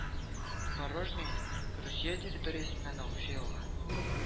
Порожняя Русия территориясеннән агучы елга